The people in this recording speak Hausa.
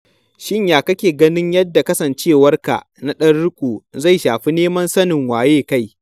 Shin ya kake ganin yadda kasancewarka na ɗan riƙo zai shafi neman sanin waye kai?